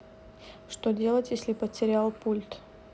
что делать если потерял пульт